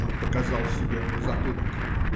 Он показал себе на затылок.